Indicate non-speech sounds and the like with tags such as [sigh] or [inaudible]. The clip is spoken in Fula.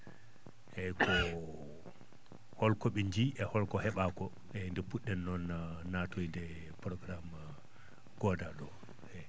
eeyi ko [coughs] ko holko ɓe njiyi e holko heɓaa ko nde puɗɗo ɗen noon natande e programme goodaaɗo o eeyi